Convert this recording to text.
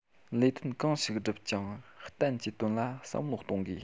ལས དོན གང ཞིག སྒྲུབ ཀྱང གཏན གྱི དོན ལ བསམ བློ གཏོང དགོས